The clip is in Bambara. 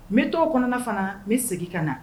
N bɛ t'o kɔnɔna fana na n bɛ segin